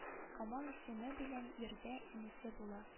Камал исеме белән йөрде энесе була